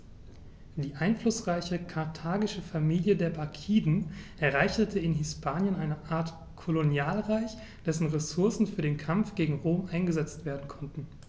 Die einflussreiche karthagische Familie der Barkiden errichtete in Hispanien eine Art Kolonialreich, dessen Ressourcen für den Kampf gegen Rom eingesetzt werden konnten.